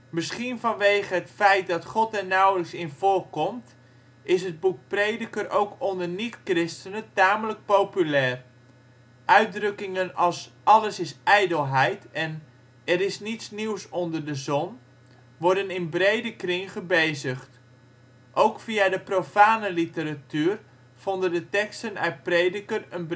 Misschien vanwege het feit dat God er nauwelijks in voorkomt, is het boek Prediker ook onder niet-christenen tamelijk populair. Uitdrukkingen als alles is ijdelheid en er is niets nieuws onder de zon worden in brede kring gebezigd. Ook via de profane literatuur vonden de teksten uit Prediker een